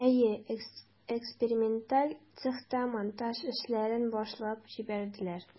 Әйе, эксперименталь цехта монтаж эшләрен башлап җибәрделәр.